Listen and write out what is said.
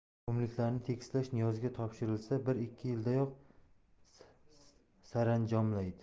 qumliklarni tekislash niyozga topshirilsa bir ikki yildayoq saranjomlaydi